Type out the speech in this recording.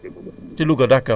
ah siège bi fan la nekk